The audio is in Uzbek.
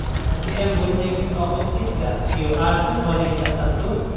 sizniyam burningiz oqib ketdi yu artib oling tasadduq